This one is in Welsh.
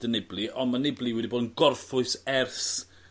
'da Nibali on' ma' Nibali wedi bod yn gorffwys ers